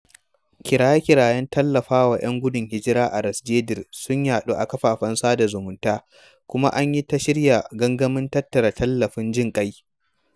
Kiraye-kirayen tallafa wa ‘yan gudun hijira a Ras Jdir sun yaɗu a kafafen sada zumunta, kuma an yi ta shirya gangamin tattara tallafin jin ƙai.